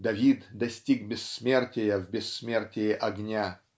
Давид достиг бессмертия в бессмертии огня.